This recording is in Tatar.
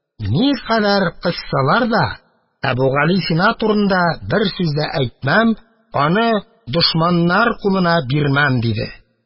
«никадәр генә кыссалар да, әбүгалисина турында бер сүз дә әйтмәм, аны дошманнар кулына бирмәм!» – диде.